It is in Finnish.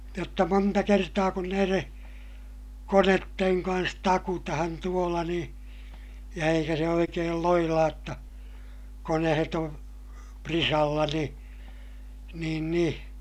jotta monta kertaa kun näiden koneiden kanssa takutaan tuolla niin ja eikä se oikein loilaa jotta koneet on prisalla niin niin niin